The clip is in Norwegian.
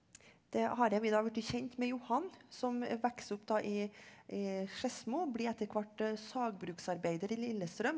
det her er vi da blitt kjent med Johan som vokser opp da i i Skedsmo blir etterhvert sagbruksarbeider i Lillestrøm.